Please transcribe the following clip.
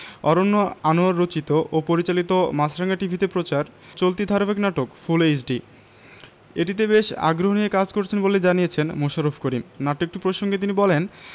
অরন্য আনোয়ার রচিত ও পরিচালিত মাছরাঙা টিভিতে প্রচার চলতি ধারাবাহিক নাটক ফুল এইচডি এটিতে বেশ আগ্রহ নিয়ে কাজ করছেন বলে জানিয়েছেন মোশাররফ করিম নাটকটি প্রসঙ্গে তিনি বলেন